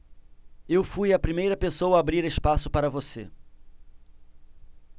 eu fui a primeira pessoa a abrir espaço para você